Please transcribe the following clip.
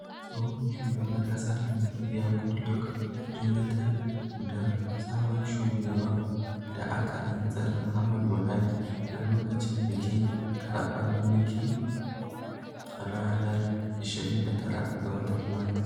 Tsohon shugaban ƙasar Najeriya, Goodluck Jonathan da sabon shugaban da aka rantsar Muhammadu Buhari a lokacin bikin karɓar mulki ranar 29 ga Mayu, 2015.